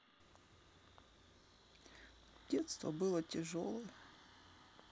детство было тяжелое